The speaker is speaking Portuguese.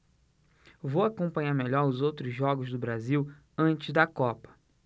vou acompanhar melhor os outros jogos do brasil antes da copa